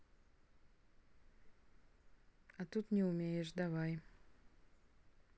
а тут не умеешь давай